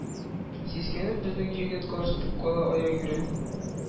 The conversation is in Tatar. Сискәнеп, безнең Җегет катып кала аягүрә,